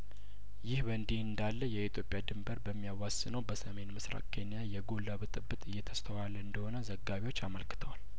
ይህ በእንዲህ እንዳለ የኢትዮጵያ ድንበር በሚያዋስ ነው በሰሜንምስራቅ ኬንያየጐላ ብጥብጥ እየተስተዋለ እንደሆነ ዘጋቢዎች አመልክተዋል